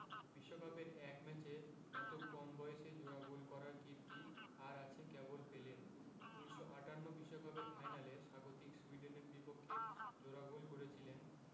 বিশ্বকাপের এক ম্যাচে এত কম বয়সে জোড়া গোল করার কীর্তি আর আছে কেবল পেলের ১৯৫৮ বিশ্বকাপের ফাইনালে স্বাগতিক সুইডেনের বিপক্ষে জোড়া গোল করেছিলেন